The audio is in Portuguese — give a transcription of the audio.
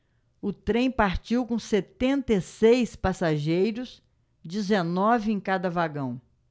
o trem partiu com setenta e seis passageiros dezenove em cada vagão